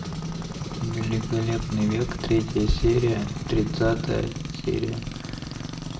великолепный век третья серия тридцатая серия